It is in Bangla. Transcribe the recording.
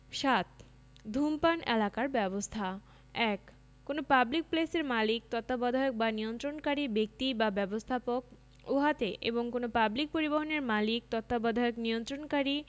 ৭ ধূমপান এলাকার ব্যবস্থাঃ ১ কোন পাবলিক প্লেসের মালিক তত্ত্বাবধায়ক বা নিয়ন্ত্রণকারী ব্যক্তি বা ব্যবস্থাপক উহাতে এবং কোন পাবলিক পরিবহণের মালিক তত্ত্বাবধায়ক নিয়ন্ত্রণকারী